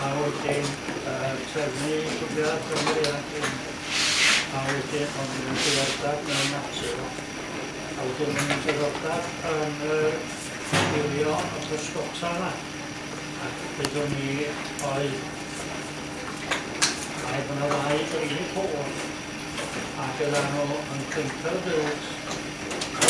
A wedyn yy trefnu grwpia ffermwyr ifanc oeddwn i. A wedyn o'dden ni â diddordab mewn natur a wdyn o'n i'n diddordab yn yr gwylio y pysgoa yna ac oeddwn ni oedd ma' raid bo' 'na ddau dri cwch, ac oddan n'w yn clinker built ag